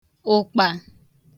ụ̀kpà